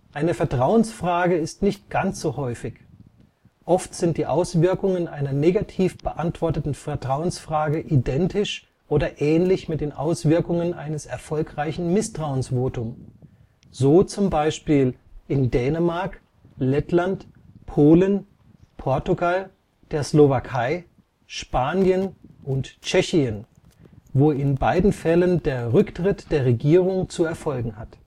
Eine Vertrauensfrage ist nicht ganz so häufig; oft sind die Auswirkungen einer negativ beantworteten Vertrauensfrage identisch oder ähnlich mit den Auswirkungen eines erfolgreichen Misstrauensvotums, so zum Beispiel in Dänemark, Lettland, Polen, Portugal, der Slowakei, Spanien und Tschechien, wo in beiden Fällen der Rücktritt der Regierung zu erfolgen hat